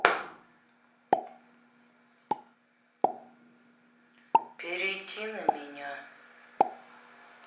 перейти на меня